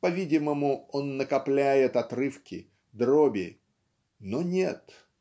по-видимому, он накопляет отрывки, дроби, но нет